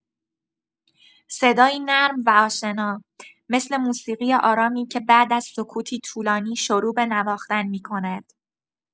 صدایی نرم و آشنا، مثل موسیقی آرامی که بعد از سکوتی طولانی شروع به نواختن می‌کند.